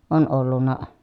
on ollut